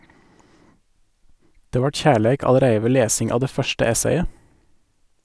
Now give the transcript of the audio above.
Det vart kjærleik allereie ved lesing av det første essayet.